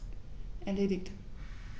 Erledigt.